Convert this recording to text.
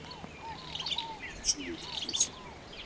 хочу мультик фиксики